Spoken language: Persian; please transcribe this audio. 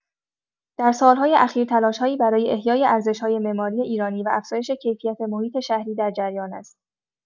در سال‌های اخیر تلاش‌هایی برای احیای ارزش‌های معماری ایرانی و افزایش کیفیت محیط شهری در جریان است.